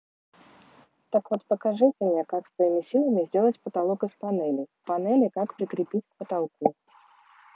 так вот покажите мне как своими силами сделать потолок из панелей панели как прикрепить к потолку